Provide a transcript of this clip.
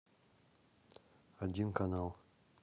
один канал